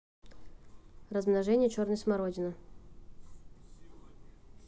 размножение черной смородины